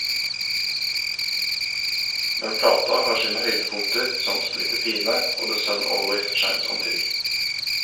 Men plata har sine høydepunkter, som «Splitter pine» og «The Sun Always Shines on TV».